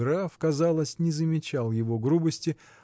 Граф, казалось, не замечал его грубости